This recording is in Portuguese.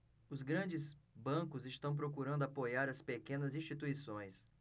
os grandes bancos estão procurando apoiar as pequenas instituições